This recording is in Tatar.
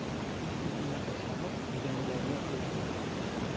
Үз көчемә ышанып, өйдәгеләргә әйтми киттем.